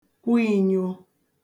kwu ìnyo